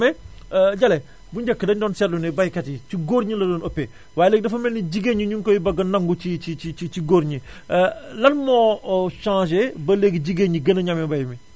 mais Jalle bu njëkk dañu doon seetlu ne baykat yi ci góor ñi la doon ëppee waa léegi dafa mel ni jigéen ñi ñu ngi koy bëgg a nangu nangu ci ci ci ci góor ñi lan moo changé ba léegi jigéen ñi gën a ñeme mbay mi